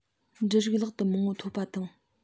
འབྲུ རིགས ལྷག ཏུ མང པོ ཐོབ པ དང